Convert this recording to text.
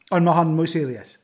Ond mae hon mwy serious.